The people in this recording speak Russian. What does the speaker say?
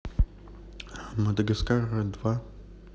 мадагаскар два